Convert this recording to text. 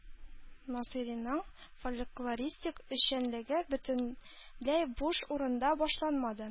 Насыйриның фольклористик эшчәнлеге бөтенләй буш урында башланмады